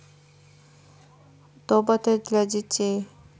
тоботы для детей